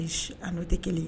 A n'o tɛ kelen